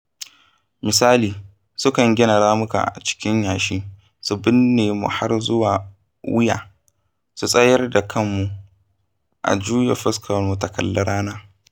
Misali, sukan gina ramuka a cikin yashi, su binne mu har zuwa wuya, su tsayar da kanmu, a juya fuskarmu ta kalli rana.